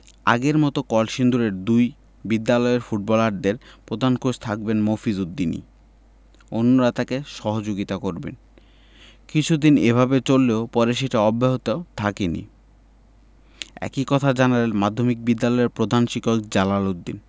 আগের মতো কলসিন্দুরের দুই বিদ্যালয়ের ফুটবলারদের প্রধান কোচ থাকবেন মফিজ উদ্দিনই অন্যরা তাঁকে সহযোগিতা করবেন কিছুদিন এভাবে চললেও পরে সেটি অব্যাহত থাকেনি একই কথা জানালেন মাধ্যমিক বিদ্যালয়ের প্রধান শিক্ষক জালাল উদ্দিন